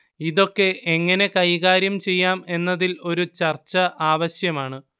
ഇതൊക്കെ എങ്ങനെ കൈകാര്യം ചെയ്യാം എന്നതിൽ ഒരു ചർച്ച ആവശ്യമാണ്